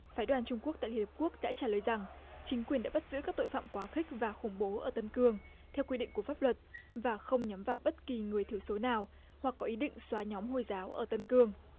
phái đoàn trung quốc tại hiệp quốc đã trả lời rằng chính quyền đã bắt giữ các tội phạm quá khích và khủng bố ở tân cương theo quy định của pháp luật và không nhắm vào bất kỳ người thiểu số nào hoặc có ý định xóa nhóm hồi giáo ở tân cương